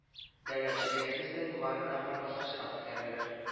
Дәүләтчелегебез дә югарырак бер баскычка күтәрелер